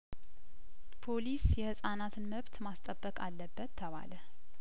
ፓሊስ የህጻናትን መብት ማስጠበቅ አለበት ተባለ